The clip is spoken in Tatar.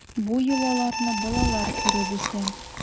Бу йолаларны балалар күреп үсә.